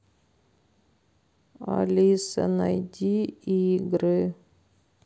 алиса найди игры